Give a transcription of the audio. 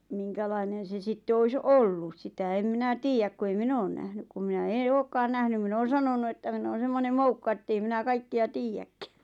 minkälainen se sitten olisi ollut sitä en minä tiedä kun ei minä ole nähnyt kun minä en olekaan nähnyt minä olen sanonut että minä olen semmoinen moukka että ei minä kaikkia tiedäkään